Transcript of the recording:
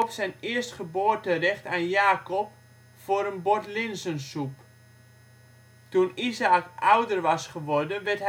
zijn eerstgeboorterecht aan Jakob voor een bord linzensoep. Toen Izaäk ouder was geworden werd